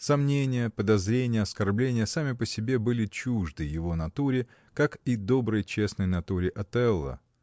Сомнения, подозрения, оскорбления — сами по себе были чужды его натуре, как и доброй, честной натуре Отелло.